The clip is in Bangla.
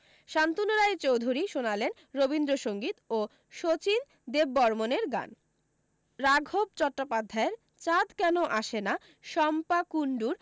শান্তনু রায়চৌধুরী শোনালেন রবীন্দ্রসংগীত ও শচীন দেববরমনের গান রাঘব চট্টোপাধ্যায়ের চাঁদ কেন আসে না শম্পা কূণডুর